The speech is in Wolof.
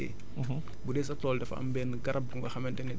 maanaam regénération natutelle à assister